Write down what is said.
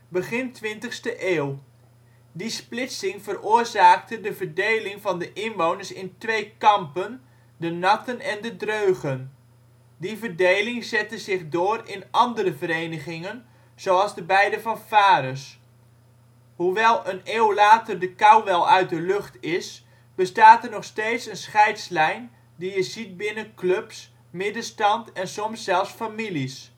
begin 20e eeuw. Die splitsing veroorzaakte de verdeling van de inwoners in twee " kampen " De Natten en de Drögen. Die verdeling zette zich door in andere verenigingen, zoals de beide fanfares. Hoewel een eeuw later de kou wel uit de lucht is bestaat er nog steeds een scheidslijn die je ziet binnen clubs, middenstand en soms zelfs families